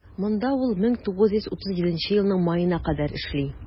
Монда ул 1937 елның маена кадәр эшли.